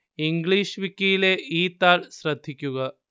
English വിക്കിയിലെ ഈ താൾ ശ്രദ്ധിക്കുക